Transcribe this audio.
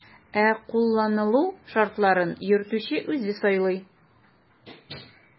Ә кулланылу шартларын йөртүче үзе сайлый.